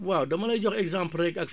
waaw dama lay jox exemple rekk ak